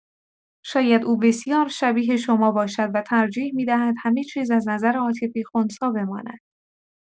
شاید او بسیار شبیه شما باشد و ترجیح می‌دهد همه‌چیز از نظر عاطفی خنثی بماند.